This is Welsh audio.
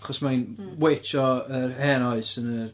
Achos mae'n witch o'r hen oes yn yr...